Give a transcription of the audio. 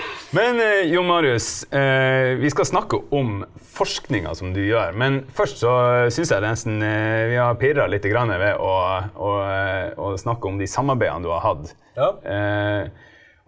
men Jon Marius vi skal snakke om forskninga som du gjør, men først så syns jeg nesten vi har pirra lite grann ved å å å snakke om de samarbeida du har hatt .